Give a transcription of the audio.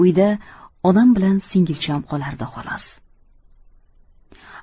uyda onam bilan singilcham qolardi xolos